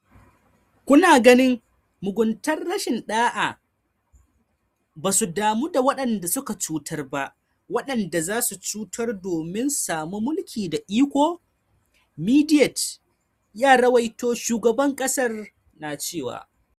Kuna ganin muguntar, rashin da’a, ba su damu da waɗanda suka cutar ba, waɗanda zasu cutar domin su samu mulki da iko, Mediaite ya ruwaito shugaban kasar na cewa.